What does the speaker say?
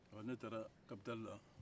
ne taara faaba la